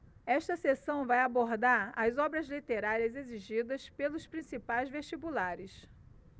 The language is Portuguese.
esta seção vai abordar as obras literárias exigidas pelos principais vestibulares